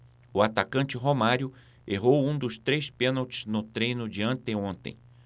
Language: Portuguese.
o atacante romário errou um dos três pênaltis no treino de anteontem